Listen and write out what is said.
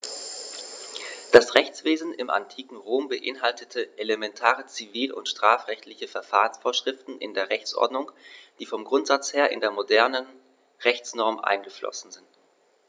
Das Rechtswesen im antiken Rom beinhaltete elementare zivil- und strafrechtliche Verfahrensvorschriften in der Rechtsordnung, die vom Grundsatz her in die modernen Rechtsnormen eingeflossen sind.